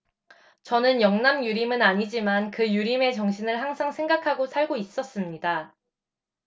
저는 영남 유림은 아니지만 그 유림의 정신을 항상 생각하고 살고 있었습니다